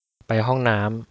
ไปห้องน้ำ